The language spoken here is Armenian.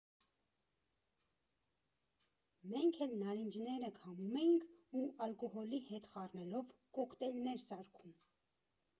Մենք էլ նարինջները քամում էինք, ու ալկոհոլի հետ խառնելով կոկտեյլներ սարքում։